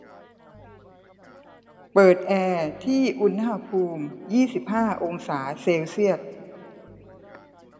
เปิดแอร์ที่อุณหภูมิยี่สิบห้าองศาเซลเซียส